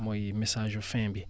mooy message fin bi